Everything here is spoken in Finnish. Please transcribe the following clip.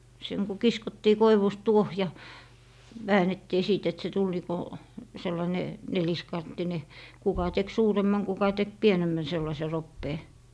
sen kun kiskottiin koivusta tuohi ja väännettiin sitten että se tuli niin kuin sellainen neliskanttinen kuka teki suuremman kuka teki pienemmän sellaisen roppeen